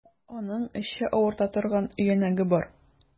Аның эче авырта торган өянәге бар.